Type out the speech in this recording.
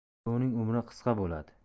ikkovining umri qisqa bo'ladi